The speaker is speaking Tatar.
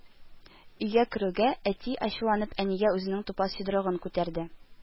Өйгә керүгә, әти, ачуланып, әнигә үзенең тупас йодрыгын күтәрде